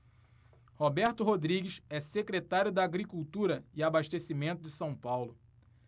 roberto rodrigues é secretário da agricultura e abastecimento de são paulo